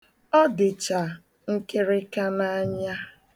Ọ dịcha nkịrịka n'anya.